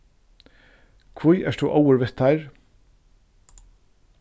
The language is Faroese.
hví ert tú óður við teir